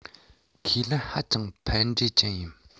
ཁས ལེན ཧ ཅང ཕན འབྲས ཅན ཡིན